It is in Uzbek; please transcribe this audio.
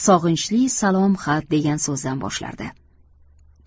sog'inchli salom xat degan so'zdan boshlardi